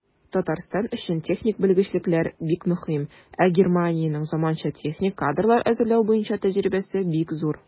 Татарстан өчен техник белгечлекләр бик мөһим, ә Германиянең заманча техник кадрлар әзерләү буенча тәҗрибәсе бик зур.